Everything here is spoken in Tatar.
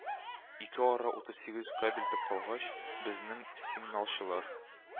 Ике ара утыз сигез кабельтов калгач, безнең сигналчылар